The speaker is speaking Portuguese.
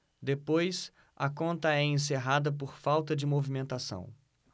depois a conta é encerrada por falta de movimentação